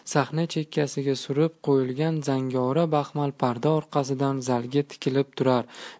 sahna chekkasiga surib qo'yilgan zangori baxmal parda orqasidan zalga tikilib turar